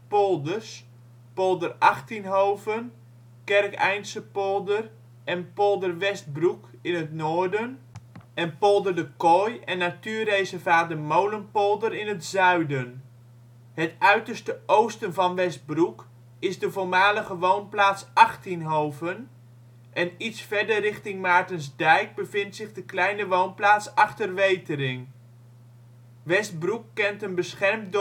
polders; Polder Achttienhoven, Kerkeindse Polder en Polder Westbroek in het noorden, en Polder de Kooi en natuurreservaat de Molenpolder in het zuiden. Het uiterste oosten van Westbroek is de voormalige woonplaats Achttienhoven en iets verder richting Maartensdijk bevindt zich de kleine woonplaats Achterwetering. Westbroek kent een beschermd